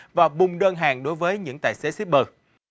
và bùng đơn hàng đối với những tài xế síp pơ